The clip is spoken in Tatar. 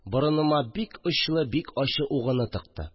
Борыныма бик очлы, бик ачы угыны тыкты